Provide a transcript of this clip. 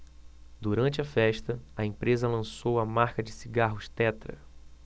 durante a festa a empresa lançou a marca de cigarros tetra